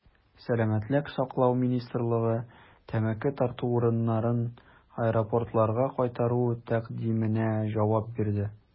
Сәламәтлек саклау министрлыгы тәмәке тарту урыннарын аэропортларга кайтару тәкъдименә җавап бирде.